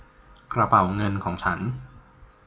กระเป๋าเงินของฉัน